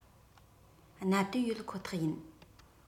གནད དོན ཡོད ཁོ ཐག ཡིན